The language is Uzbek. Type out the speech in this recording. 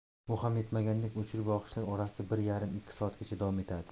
bu ham yetmaganidek o'chirib yoqishlar orasi bir yarim ikki soatgacha davom etadi